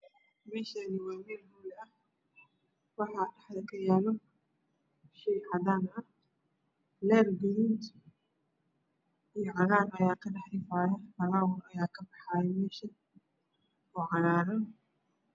Meeshaan waa meel hool ah waxaa dhexda kayaalo shay cadaan ah leyr gaduudan iyo cagaar ayaa kadhex ifaayo oo cagaaran.